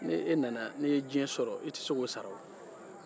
n'i ye diɲɛ sɔrɔ i tɛ se k'o sara o